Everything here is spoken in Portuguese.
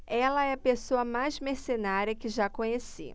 ela é a pessoa mais mercenária que já conheci